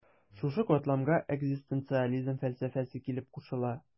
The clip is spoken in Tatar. Шушы катламга экзистенциализм фәлсәфәсе килеп кушыла.